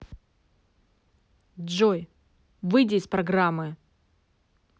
джой выйди из программы